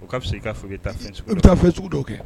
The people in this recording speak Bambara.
O' bɛ i ka i bɛ taa fɔ sugu dɔw kɛ